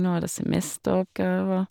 Når er det semesteroppgaver?